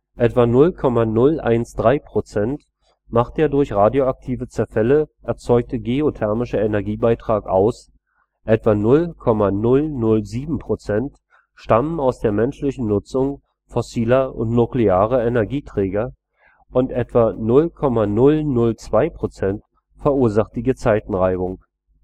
Etwa 0,013 % macht der durch radioaktive Zerfälle erzeugte geothermische Energiebeitrag aus, etwa 0,007 % stammen aus der menschlichen Nutzung fossiler und nuklearer Energieträger und etwa 0,002 % verursacht die Gezeitenreibung. Die